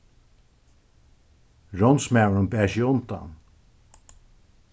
ránsmaðurin bar seg undan